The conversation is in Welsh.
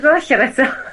...dod allan eto?